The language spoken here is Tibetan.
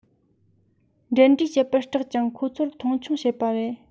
འབྲེལ འདྲིས བྱེད པར སྐྲག ཅིང ཁོ ཚོར མཐོང ཆུང བྱེད པ རེད